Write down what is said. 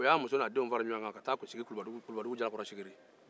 o y'a muso n'a denw fara ɲɔgɔn kan ka taa sigi kulubadugu jalakɔrɔ sigiri